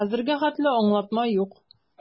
Хәзергә хәтле аңлатма юк.